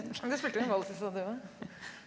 men du spilte jo en vals i stad du òg.